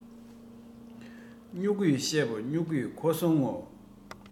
སྨྱུ གུའི བཤད པ སྨྱུ གུས གོ སོང ངོ